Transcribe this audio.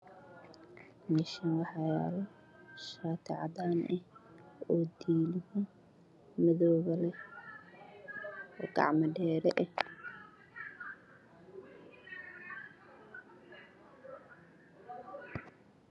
Meeshaan waxaa yaalo shaati cadaan ah oo diilimo madow ah leh oo gacmo dheere ah